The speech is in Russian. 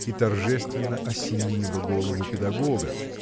и торжественно осенила голову педагога.